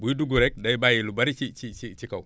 buy dugg rekk day bàyyi lu bëri ci ci si ci kaw